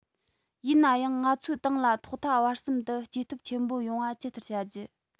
ཡིན ན ཡང ང ཚོའི ཏང ལ ཐོག མཐའ བར གསུམ དུ སྐྱེ སྟོབས ཆེན པོ ཡོང བ ཇི ལྟར བྱ རྒྱུ